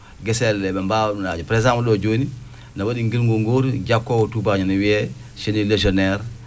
geseele ɗe ɓe mbaawa ɗumɗaanin par exemple ɗo jooni no waɗi ngilgu gootu jakkoowu tubaañoo no wiyee semi-légionnaire